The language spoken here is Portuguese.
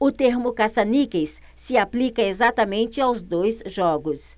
o termo caça-níqueis se aplica exatamente aos dois jogos